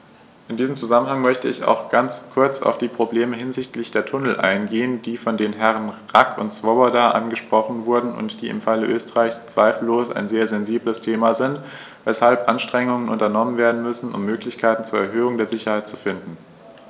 In diesem Zusammenhang möchte ich auch ganz kurz auf die Probleme hinsichtlich der Tunnel eingehen, die von den Herren Rack und Swoboda angesprochen wurden und die im Falle Österreichs zweifellos ein sehr sensibles Thema sind, weshalb Anstrengungen unternommen werden müssen, um Möglichkeiten zur Erhöhung der Sicherheit zu finden.